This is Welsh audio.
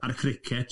a'r crickets.